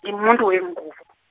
ngi muntu wengubo.